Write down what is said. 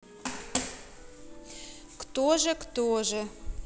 кто же кто же